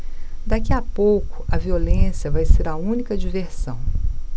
daqui a pouco a violência vai ser a única diversão